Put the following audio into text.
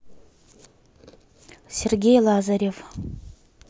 сергей лазарев